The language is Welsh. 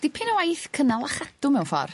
Dipyn o waith cynnal a chadw mewn ffor'.